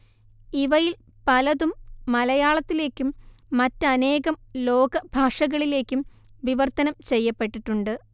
ഇവയിൽ പലതും മലയാളത്തിലേക്കും മറ്റനേകം ലോകഭാഷകളിലേക്കും വിവർത്തനം ചെയ്യപ്പെട്ടിട്ടുണ്ട്